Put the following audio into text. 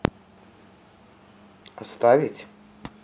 отставить